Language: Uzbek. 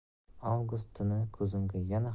avgust tuni ko'zimga yana